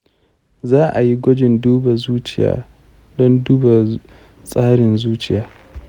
za a yi gwajin duban zuciya don duba tsarin zuciya.